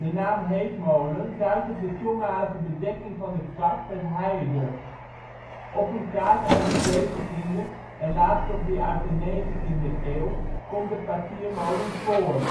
naam heetmolen duidt op de toenmalige bedekking van de kap met heide (heet). Op een kaart uit de 17e en later op die uit de 19e eeuw komt de papiermolen voor